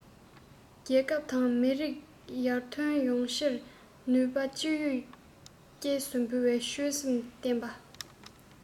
རྒྱལ ཁབ དང མི རིགས ཡར ཐོན ཡོང ཕྱིར རང ནུས ཅི ཡོད སྐྱེས སུ འབུལ བའི ཆོད སེམས བརྟན པ